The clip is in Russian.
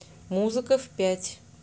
музыка в пять